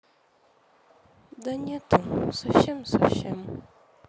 да нету совсем совсем